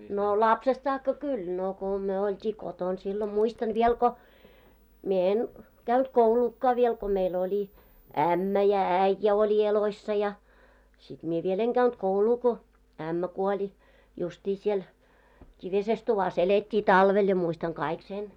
no lapsesta saakka kun no kun me oltiin kotona silloin muistan vielä kun minä en käynyt kouluakaan vielä kun meillä oli ämmä ja äijä oli elossa ja sitten minä vielä en käynyt koulua kun ämmä kuoli justiin siellä kivisessä tuvassa elettiin talvella ja muistan kaikki sen